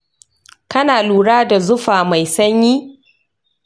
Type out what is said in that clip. kana lura da zufa mai sanyi?